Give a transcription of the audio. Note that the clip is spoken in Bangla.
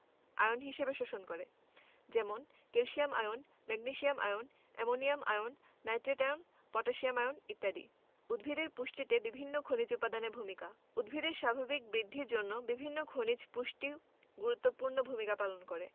আয়ন হিসেবে শোষণ করে যেমন Ca++ Mg++ NH4+ NO3 K+ ইত্যাদি উদ্ভিদের পুষ্টিতে বিভিন্ন খনিজ উপাদানের ভূমিকা উদ্ভিদের স্বাভাবিক বৃদ্ধির জন্য বিভিন্ন খনিজ পুষ্টি গুরুত্বপূর্ণ ভূমিকা পালন করে